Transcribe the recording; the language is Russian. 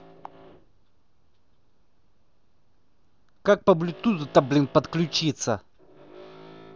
как по блютузу то блин подключиться